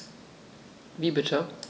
Wie bitte?